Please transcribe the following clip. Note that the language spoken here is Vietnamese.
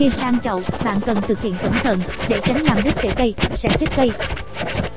khi sang chậu bạn cần thực hiện cẩn thận để tránh làm đứt rễ cây sẽ chết cây